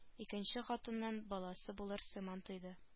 Икенче хатыннан баласы булыр сыман тойды